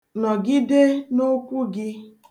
Nọgide n'okwu gị.